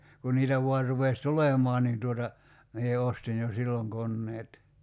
kun niitä vain rupesi tulemaan niin tuota minä ostin jo silloin koneet